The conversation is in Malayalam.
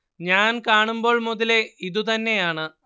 ഞാൻ കാണുമ്പോൾ മുതലേ ഇതു തന്നെയാണ്